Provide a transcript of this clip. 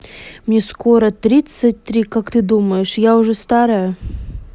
мне скоро тридцать три как ты думаешь я уже старая